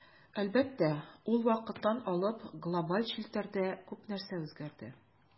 Әлбәттә, ул вакыттан алып глобаль челтәрдә күп нәрсә үзгәрде.